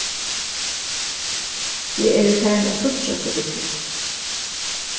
eg eri farin at síggja so illa